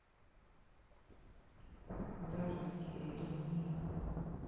вражеские линии